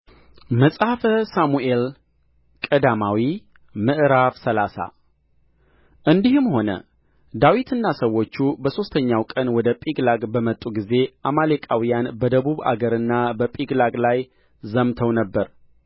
መጽሐፈ ሳሙኤል ቀዳማዊ ምዕራፍ ሰላሳ እንዲህም ሆነ ዳዊትና ሰዎቹ በሦስተኛው ቀን ወደ ጺቅላግ በመጡ ጊዜ አማሌቃውያን በደቡብ አገርና በጺቅላግ ላይ ዘምተው ነበር